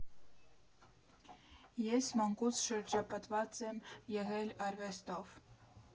Ես մանկուց շրջապատված եմ եղել արվեստով։